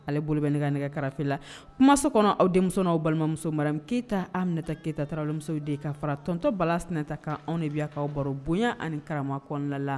Ale bolo bɛ ne ka nɛgɛ kɛrɛfɛfe la. Kumaso kɔnɔ aw denmuso naw balimamuso Madame keyita Aminata keyita Tarawele musow den. Ka fara tonton Bala sɛnɛnta kan anw debiyakaw baro bonya ani ni karama kɔn la la